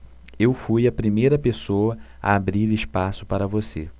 eu fui a primeira pessoa a abrir espaço para você